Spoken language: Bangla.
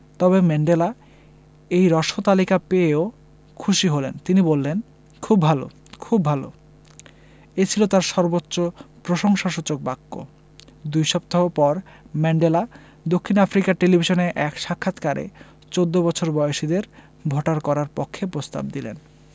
তবে ম্যান্ডেলা এই হ্রস্ব তালিকা পেয়েও খুশি হলেন তিনি বললেন খুব ভালো খুব ভালো এ ছিল তাঁর সর্বোচ্চ প্রশংসাসূচক বাক্য দুই সপ্তাহ পর ম্যান্ডেলা দক্ষিণ আফ্রিকার টেলিভিশনে এক সাক্ষাৎকারে ১৪ বছর বয়সীদের ভোটার করার পক্ষে প্রস্তাব দিলেন